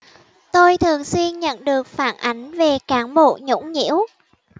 tôi thường xuyên nhận được phản ảnh về cán bộ nhũng nhiễu